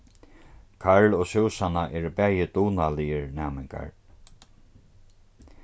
karl og súsanna eru bæði dugnaligir næmingar